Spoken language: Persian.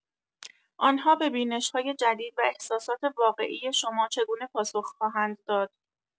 آن‌ها به بینش‌های جدید و احساسات واقعی شما چگونه پاسخ خواهند داد؟